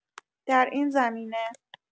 در این زمینه